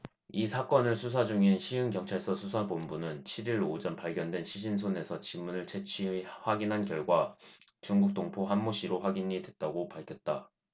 이 사건을 수사 중인 시흥경찰서 수사본부는 칠 일 오전 발견된 시신 손에서 지문을 채취 확인한 결과 중국 동포 한모씨로 확인됐다고 밝혔다